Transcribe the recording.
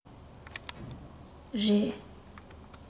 རེད